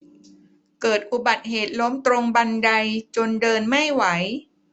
เกิดอุบัติเหตุล้มตรงบันไดจนเดินไม่ไหว